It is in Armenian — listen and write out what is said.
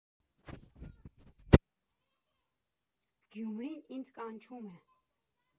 Գյումրին ինձ կանչում է։